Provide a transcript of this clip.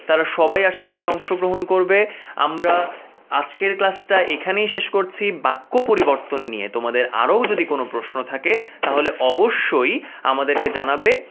তারা সবাই আশাকরে অংশগ্রহণ করবে আমরা আজকে ক্লাস টা এখানেই শেষ করছি বাক্য পরিবর্তন নিয়ে তোমাদের আরও যদি কোন প্রশ্ন থাকে তাহলে অবশ্যই আমাদেরকে জানাবে